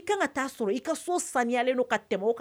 I kan ka ta'a sɔrɔ i ka so saniyalen don ka tɛmɛ o kan